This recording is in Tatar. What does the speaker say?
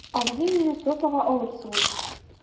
Абзый мине софага алып сылый.